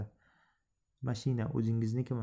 mashina o'zingiznikimi